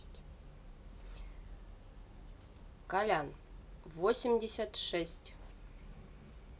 колян восемьдесят шесть